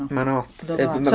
Ma'n od ...